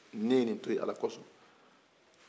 ne ye nin toyi ala ko son